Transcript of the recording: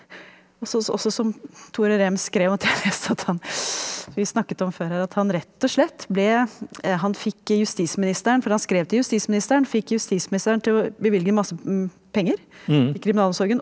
også også som Tore Rem skrev om at jeg leste at han som vi snakket om før her at han rett og slett ble han fikk justisministeren for han skrev til justisministeren fikk justisministeren til å bevilge en masse penger til kriminalomsorgen.